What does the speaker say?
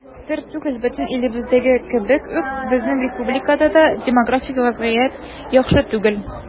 Сер түгел, бөтен илебездәге кебек үк безнең республикада да демографик вазгыять яхшы түгел.